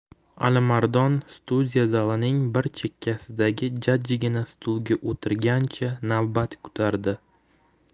alimardon studiya zalining bir chekkasidagi jajjigina stulga o'tirgancha navbat kutardi